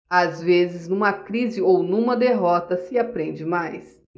às vezes numa crise ou numa derrota se aprende mais